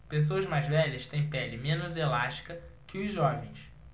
pessoas mais velhas têm pele menos elástica que os jovens